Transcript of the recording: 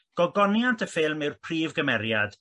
Gogoniant y ffilm yw'r prif gymeriad